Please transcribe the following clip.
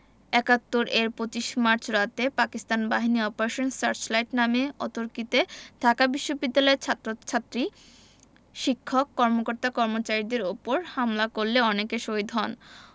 ৭১ এর ২৫ মার্চ রাতে পাকিস্তান বাহিনী অপারেশন সার্চলাইট নামে অতর্কিতে ঢাকা বিশ্ববিদ্যালয়ের ছাত্রছাত্রী শিক্ষক কর্মকর্তা কর্মচারীদের উপর হামলা করলে অনেকে শহীদ হন